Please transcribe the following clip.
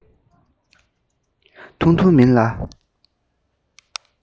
ཐུང ཐུང མིན ལ